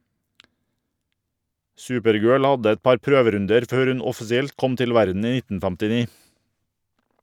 Supergirl hadde et par prøverunder før hun offisielt kom til verden i 1959.